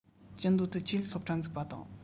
ཅི འདོད དུ ཆོས ལུགས སློབ གྲྭ འཛུགས པ དང